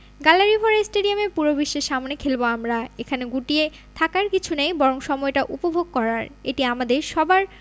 গ্যালারিভরা স্টেডিয়ামে পুরো বিশ্বের সামনে খেলব আমরা এখানে গুটিয়ে থাকার কিছু নেই বরং সময়টা উপভোগ করার এটি আমাদের সবার